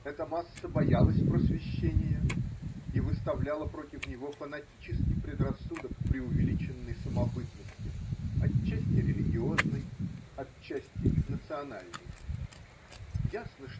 Эта масса боялась просвещения и выставляла против него фанатический предрассудок преувеличенной самобытности – отчасти религиозной, отчасти национальной. Ясно.